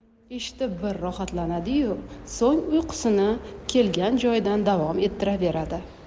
eshitib bir rohatlanadi yu so'ng uyqusini kelgan joyidan davom ettiraveradi